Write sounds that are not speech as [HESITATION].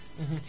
[HESITATION] [HESITATION]